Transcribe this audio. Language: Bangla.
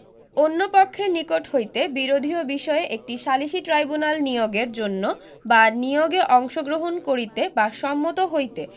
অন্য পক্ষের নিকট হইতে বিরোধীয় বিষয়ে একটি সালিসী ট্রাইব্যুনাল নিয়োগের জন্য বা নিয়োগে অংশগ্রহণ করিতে বা সম্মত হইতে